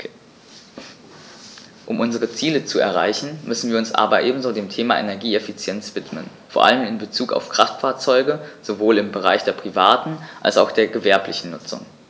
Um unsere Ziele zu erreichen, müssen wir uns aber ebenso dem Thema Energieeffizienz widmen, vor allem in Bezug auf Kraftfahrzeuge - sowohl im Bereich der privaten als auch der gewerblichen Nutzung.